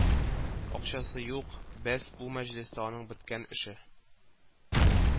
Акчасы юк, бәс, бу мәҗлестә аның беткән эше